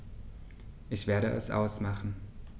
Ich werde es ausmachen